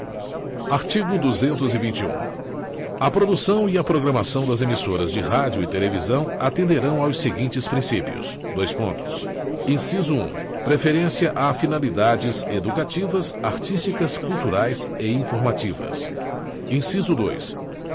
artigo duzentos e vinte e um a produção e a programação das emissoras de rádio e televisão atenderão aos seguintes princípios dois pontos inciso um preferência a finalidades educativas artísticas culturais e informativas inciso dois